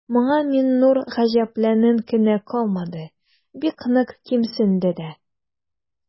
Моңа Миңнур гаҗәпләнеп кенә калмады, бик нык кимсенде дә.